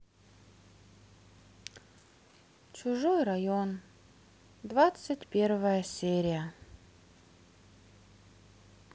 чужой район двадцать первая серия